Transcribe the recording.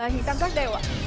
là hình tam giác đều ạ